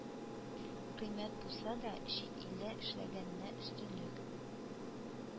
Кыйммәт булса да чит илдә эшләнгәненә өстенлек